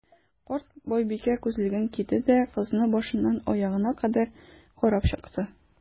Карт байбикә, күзлеген киде дә, кызны башыннан аягына кадәр карап чыкты.